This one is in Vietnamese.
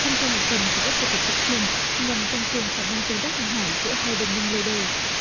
tham gia một phần của các cuộc tập trận chung nhằm tăng cường khả năng tương tác hàng hải giữa hai đồng minh lâu đời